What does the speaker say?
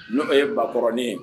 N' o ye bakɔrɔnlen ye